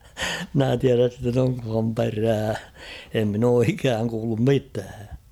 minä tiedä sitten onkohan perää en minä ole ikään kuullut mitään